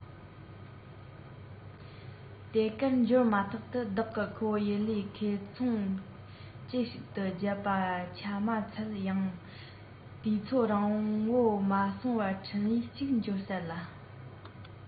དེ གར འབྱོར མ ཐག ཏུ བདག གི ཁུ བོ ཡུ ལེས ཁེ ཚོང ཅི ཞིག བརྒྱབ པ ཆ མ འཚལ ཡང དུས ཚོད རིང པོ མ སོང བར འཕྲིན ཡིག ཅིག འབྱོར གསལ ལ